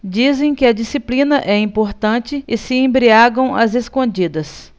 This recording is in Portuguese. dizem que a disciplina é importante e se embriagam às escondidas